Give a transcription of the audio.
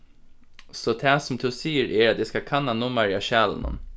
so tað sum tú sigur er at eg skal kanna nummarið á skjalinum